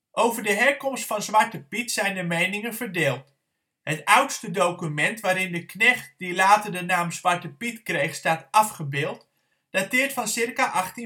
Over de herkomst van Zwarte Piet zijn de meningen verdeeld. Het oudste document waarin de knecht die later de naam Zwarte Piet kreeg, staat afgebeeld, dateert van circa 1850